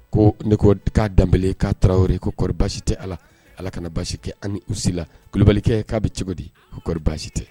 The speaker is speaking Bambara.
Ko ne ko k'a danbe k'a tarawele ye koɔri basi tɛ ala ala kana basi kɛ ani usi lalibalikɛ k'a bɛ cogo di koɔri basi tɛ